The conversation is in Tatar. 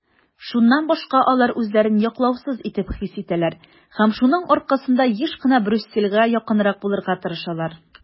Шуннан башка алар үзләрен яклаусыз итеп хис итәләр һәм шуның аркасында еш кына Брюссельгә якынрак булырга тырышалар.